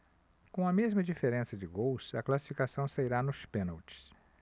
com a mesma diferença de gols a classificação sairá nos pênaltis